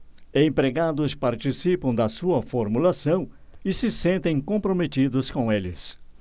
empregados participam da sua formulação e se sentem comprometidos com eles